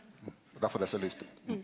derfor det er så lyst ute.